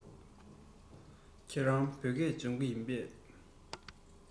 ཁྱེད རང བོད སྐད སྦྱོང མཁན ཡིན པས